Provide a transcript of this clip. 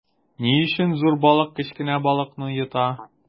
Ни өчен зур балык кечкенә балыкны йота?